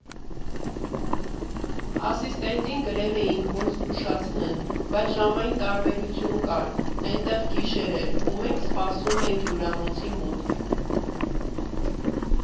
Ասիստենտին գրել էինք, որ զգուշացնեն, բայց ժամային տարբերություն կար՝ էնտեղ գիշեր էր, ու մենք սպասում էինք հյուրանոցի մոտ։